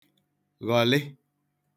ghọ̀lị